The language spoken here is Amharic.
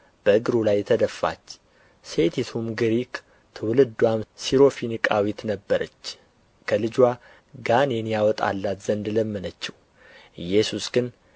በእግሩ ላይ ተደፋች ሴቲቱም ግሪክ ትውልድዋም ሲሮፊኒቃዊት ነበረች ከልጅዋ ጋኔን ያወጣላት ዘንድ ለመነችው ኢየሱስ ግን